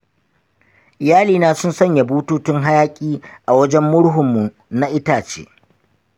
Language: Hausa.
iyalina sun sanya bututun hayaƙi a wajen murhun mu na itace.